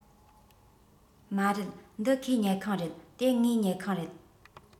མ རེད འདི ཁོའི ཉལ ཁང རེད དེ ངའི ཉལ ཁང རེད